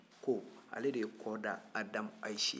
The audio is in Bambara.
ko ale de ye kɔda adamu ayise